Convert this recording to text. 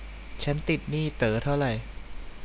ฉันติดหนี้เต๋อเท่าไร